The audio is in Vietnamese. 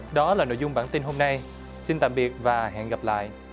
đó là nội dung bản tin hôm nay xin tạm biệt và hẹn gặp lại